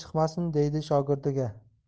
chiqmasin deydi shogirdiga